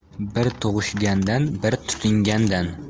bir tug'ishgandan bir tutingandan